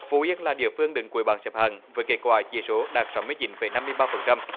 phú yên là địa phương đứng cuối bảng xếp hạng với kết quả chỉ số đạt sáu mươi chín phẩy năm mươi ba phần trăm